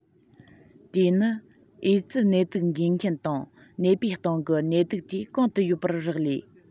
དེ ནི ཨེ ཙི ནད དུག འགོས མཁན དང ནད པའི སྟེང གི ནད དུག དེ གང དུ ཡོད པར རག ལས